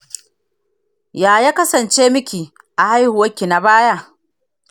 ya ya kasance miki a haihuwanki na baya?